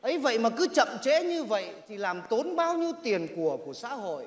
ấy vậy mà cứ chậm trễ như vậy thì làm tốn bao nhiêu tiền của của xã hội